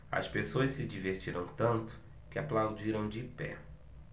as pessoas se divertiram tanto que aplaudiram de pé